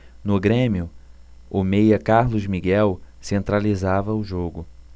no grêmio o meia carlos miguel centralizava o jogo